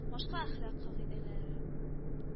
Башка әхлак кагыйдәләре